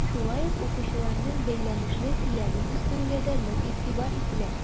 Шулай ук укучыларның бәйләнешле сөйләмен үстерүгә дә нык игътибар ителә.